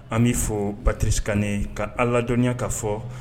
An b'i fo Patirisi Kane ka a ladɔnya ka fɔ